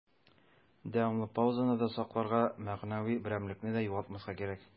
Дәвамлы паузаны да сакларга, мәгънәви берәмлекне дә югалтмаска кирәк.